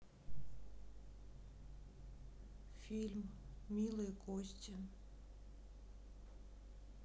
фильм милые кости